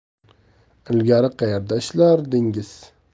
ilgari qaerda ishlardingiz